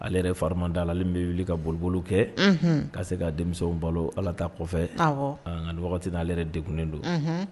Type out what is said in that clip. Ale fari d' alelen bɛ wuli ka bolokobolo kɛ ka se ka denmisɛnw balo ala ta kɔfɛ nka wagati n'ale yɛrɛ dekkunnen don